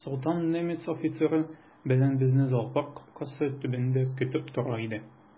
Солтан немец офицеры белән безне зоопарк капкасы төбендә көтеп тора иде.